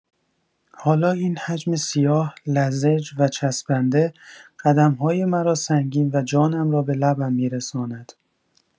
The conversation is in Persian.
حالا این حجم سیاه، لزج و چسبنده، قدم‌های مرا سنگین و جانم را به لبم می‌رساند.